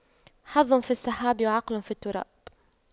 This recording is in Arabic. حظ في السحاب وعقل في التراب